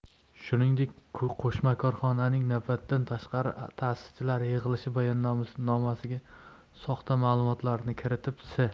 shuningdek qo'shma korxonaning navbatdan tashqari ta'sischilar yig'ilishi bayonnomasiga soxta ma'lumotlarni kiritib s